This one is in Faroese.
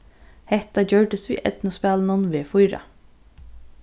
hetta gjørdist við eydnuspælinum v4